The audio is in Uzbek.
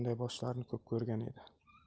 bunday boshlarni ko'p ko'rgan edi